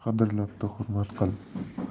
qadrlabdi hurmat qil